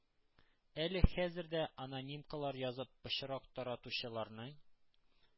Әле хәзер дә анонимкалар язып пычрак таратучыларның